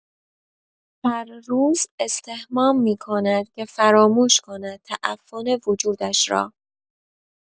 هر روز استحمام می‌کند که فراموش کند تعفن وجودش را.